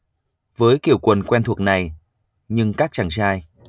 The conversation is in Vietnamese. với kiểu quần quen thuộc này nhưng các chàng trai